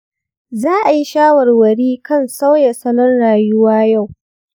za a yi shawarwari kan sauya salon rayuwa yau.